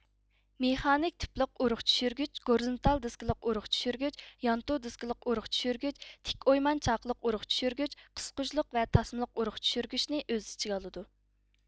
مېخانىك تىپلىق ئۇرۇق چۈشۈرگۈچ گورىزۇنتال دىسكىلىق ئۇرۇق چۈشۈرگۈچ يانتۇ دېسكىلىق ئۇرۇق چۈشۈرگۈچ تىك ئويمان چاقلىق ئۇرۇق چۈشۈرگۈچ قىسقۇچلۇق ۋە تاسمىلىق ئۇرۇق چۈشۈرگۈچنى ئۆز ئىچىگە ئالىدۇ